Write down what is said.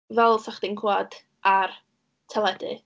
Fel fysa chdi'n clywed ar teledu.